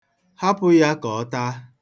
Hapụ ya ka ọ taa.